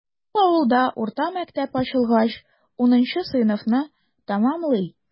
Шул авылда урта мәктәп ачылгач, унынчы сыйныфны тәмамлый.